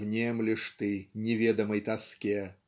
внемлешь ты неведомой тоске